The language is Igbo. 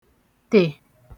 -tè